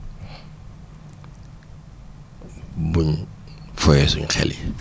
buñ foyee suñu xel yi